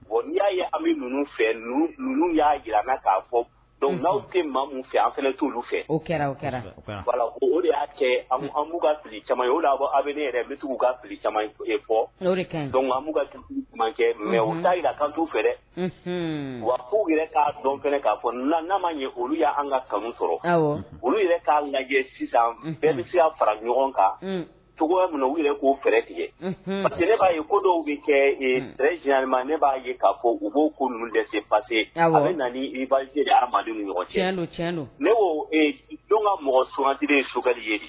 Bon n' y'a ye an bɛ ninnu fɛ ninnu y'a jira'a fɔ'aw tɛ maa min fɛ an fana t' fɛ kɛra ko o de y'a kɛ ka fili caman oa aw bɛ ne yɛrɛ bɛ se ka fili caman fɔ kɛ mɛ da jira kan tu fɛɛrɛ wa'u yɛrɛ k'a dɔn k'a fɔ na n'a ma ye olu y' an ka kanu sɔrɔ olu yɛrɛ k'a lajɛ sisan bɛɛ misi' fara ɲɔgɔn kan to min u wele k'o fɛɛrɛ tigɛ tile b'a ye ko dɔw bɛ kɛ fɛ jli ma ne b'a ye k'a fɔ u b' ko ninnu dɛsɛ basi ne nan i amadu ɲɔgɔn cɛ don ka mɔgɔ suugandire sokɛdi ye